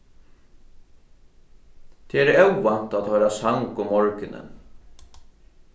tað er óvant at hoyra sang um morgunin